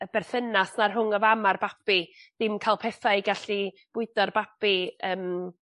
y berthynas 'na rhwng y fam a'r babi dim ca'l petha i gallu bwydo'r babi yym